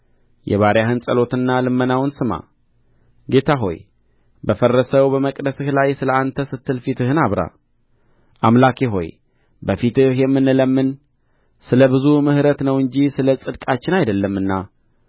የባሪያህን ጸሎትና ልመናውን ስማ ጌታ ሆይ በፈረሰው በመቅደስህ ላይ ስለ አንተ ስትል ፊትህን አብራ አምላኬ ሆይ በፊትህ የምንለምን ስለ ብዙ ምሕረትህ ነው እንጂ ስለ ጽድቃችን አይደለምና